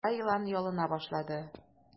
Кара елан ялына башлады.